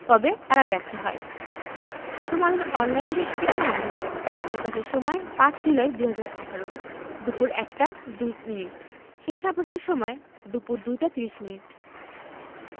তবে তারা ব্যর্থ হয় প্রথমআলোর অনলাইন ডেস্ক থেকে সংগৃহীত প্রকাশের সময় ৫ জুলাই ২০১৮ দুপুর ১টা ২মিনিট শেষ আপডেটের সময় দুপুর ২টা ৩০ মিনিট